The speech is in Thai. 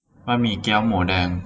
บะหมี่เกี๊ยวหมูแดง